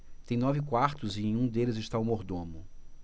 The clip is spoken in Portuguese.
tem nove quartos e em um deles está o mordomo